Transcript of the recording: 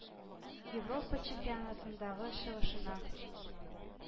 ЕвропаЧемпионатындагы чыгышына